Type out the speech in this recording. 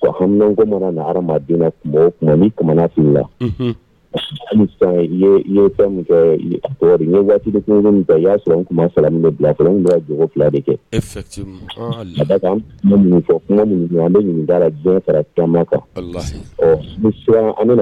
Ko adamaden tuma ni fili la waati i'a sɔrɔ bila fila de kɛ fɔ kuma an bɛ taama kan an bɛna